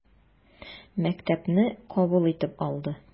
Мәктәпне кабул итеп алды.